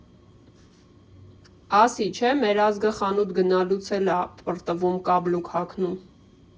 Ասի չէ, մեր ազգը խանութ գնալուց էլ ա պռտվում, կաբլուկ հագնում։